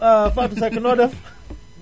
ah Fatou Seck noo def